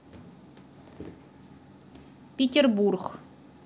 петербург